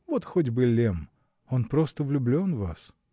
Вот хоть бы Лемм; он просто влюблен в вас.